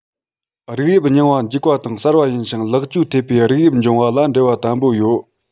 རིགས དབྱིབས རྙིང བ འཇིག པ དང གསར པ ཡིན ཞིང ལེགས བཅོས ཐེབས པའི རིགས དབྱིབས འབྱུང བ ལ འབྲེལ བ དམ པོ ཡོད